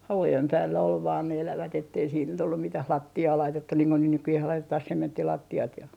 havujen päällä oli vain ne elävät että ei sitten nyt ollut mitään lattiaa laitettu niin kuin niin nykyään laitetaan sementtilattiat ja